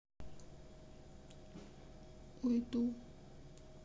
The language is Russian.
уйду